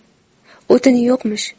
o'tini yo'qmish